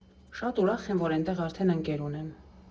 Շատ ուրախ եմ, որ էնտեղ արդեն ընկեր ունեմ։